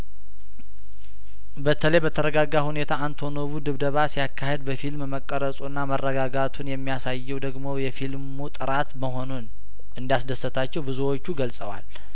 በተለይ በተረጋጋ ሁኔታ አንቶኖቩ ድብደባ ሲያካሂድ በፊልም መቀረጹና መረጋጋቱን የሚያሳየው ደግሞ የፊልሙ ጥራት መሆኑን እንዳስ ደሰታቸው ብዙዎቹ ገልጸዋል